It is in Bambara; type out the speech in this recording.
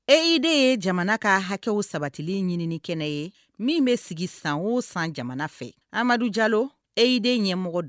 E yeden ye jamana ka hakɛ sabatilen ɲini kɛnɛ ye min bɛ sigi san o san jamana fɛ amadu jalo eden ɲɛ mɔgɔ